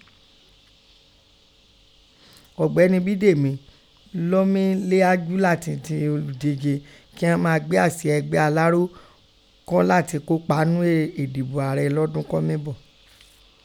Ọ̀gbẹ́ni Bídèmí lọ́ mí léájú latin di oludije ki ghọn máa gbe aṣia ẹgbẹ Aláró kò latin kopa ńnu edibo aarẹ lọdun kọ́ mí bọ.